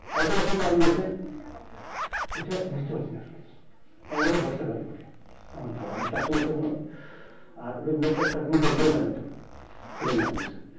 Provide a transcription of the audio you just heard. আরেকটা গাছের নাম দিয়েছেন গাছের ফুল টা কখন ফোটে এটা বুঝতে পারছি না আসলে আমার মনে হয় বর্ষা কালে ফোটে আমার ধারণা বর্ষা আসেনি তো এখনো আর রবীন্দ্রনাথ নিজের নামে একটা ফুলের নাম দিয়েছেন